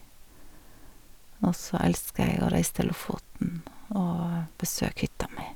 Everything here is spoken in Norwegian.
Og så elsker jeg å reise til Lofoten og besøke hytta mi.